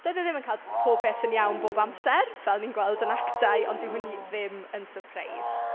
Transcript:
Doedd e ddim yn cael pob peth yn iawn bob amser, fel ni'n gweld yn actau, ond yw hynny ddim yn surprise.